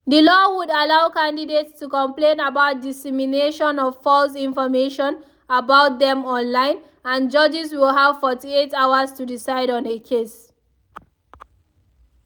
The law would allow candidates to complain about the dissemination of false information about them online and judges will have 48 hours to decide on a case.